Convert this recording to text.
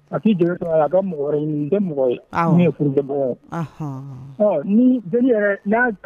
A k'i dɛmɛn a ka mɔgɔ wɛrɛ ɲini ni tɛ mɔgɔ ye ou bien problème mɔgɔ ni deni yɛrɛ